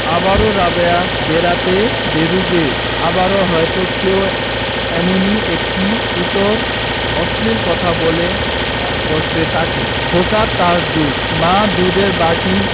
আবারও রাবেয়া বেড়াতে বেরুবে আবারো হয়তো কেউ এমনি একটি ইতর অশ্লীল কথা বলে বসবে তাকে খোকা তোর দুধ মা দুধের বাটি